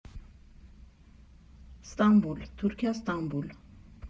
Ստամբուլ, Թուրքիա Ստամբուլ։